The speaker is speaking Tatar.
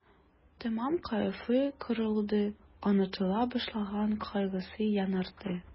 Тәмам кәефе кырылды, онытыла башлаган кайгысы яңарды.